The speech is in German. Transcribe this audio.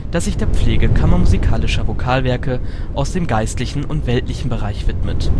das sich der Pflege kammermusikalischer Vokalwerke aus dem geistlichen und weltlichen Bereich widmet